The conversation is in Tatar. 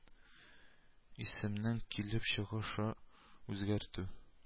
Исемнең килеп чыгышы үзгәртү